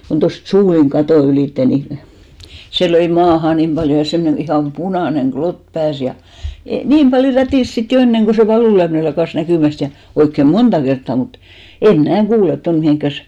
kun tuosta suulin katon ylitse niin se löi maahan niin paljon ja semmoinen ihan punainen klotti pääsi ja niin paljon rätisi sitten jo ennen kuin se valunlyöminen lakkasi näkymästä ja oikein monta kertaa mutta en minä kuule tuonne mihinkään